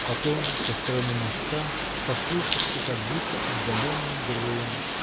Потом со стороны моста послышится как будто отдаленный гром